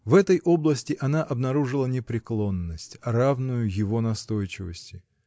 В этой области она обнаружила непреклонность, равную его настойчивости.